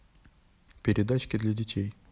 передачки для детей